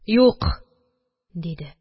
Юк! – диде